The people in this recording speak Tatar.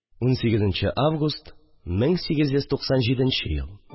18 нче август, 1897 ел